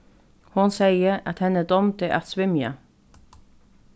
hon segði at henni dámdi at svimja